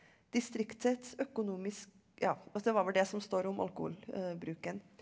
distriktets ja altså det var vel det som står om alkoholbruken.